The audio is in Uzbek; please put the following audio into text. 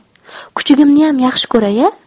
kuchugimniyam yaxshi ko'ray a